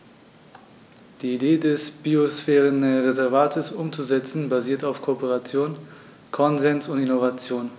Die Idee des Biosphärenreservates umzusetzen, basiert auf Kooperation, Konsens und Innovation.